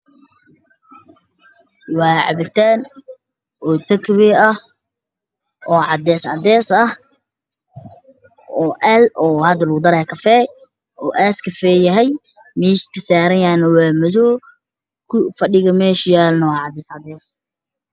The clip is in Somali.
Iyo muuqdo nin cabiraayo maro waxaana ag tahay in laba gabar oo wataan xijaaba cabaayada madow ah wejigan u xiran yahay nashareer in kala khamiis wato